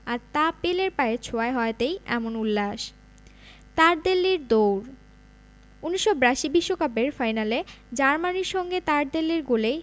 আর তা পেলের পায়ের ছোঁয়ায় হওয়াতেই এমন উল্লাস তারদেল্লির দৌড় ১৯৮২ বিশ্বকাপের ফাইনালে জার্মানির সঙ্গে তারদেল্লির গোলেই